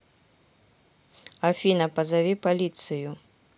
афина позови полицию